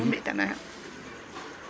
nam nu mbi'tanooyo ?